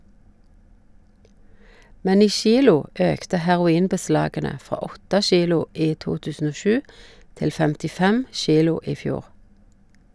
Men i kilo økte heroinbeslagene fra 8 kilo i 2007 til 55 kilo i fjor.